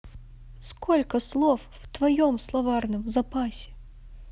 сколько слов в твоем словарном запасе